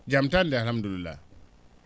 jam tan de hamdoulillah